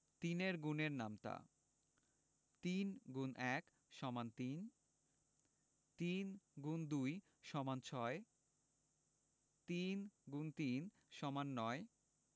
৩ এর গুণের নামতা ৩ X ১ = ৩ ৩ X ২ = ৬ ৩ × ৩ = ৯